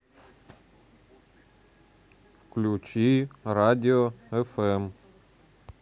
включи радио фм